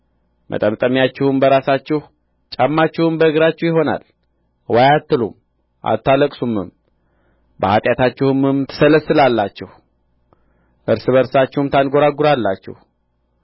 መጠምጠሚያችሁም በራሳችሁ ጫማችሁም በእግራችሁ ይሆናል ዋይ አትሉም አታለቅሱምም በኃጢአታችሁም ትሰለስላላችሁ እርስ በርሳችሁም ታንጐራጕራላችሁ